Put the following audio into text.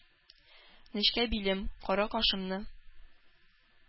Нечкә билем, кара кашымны.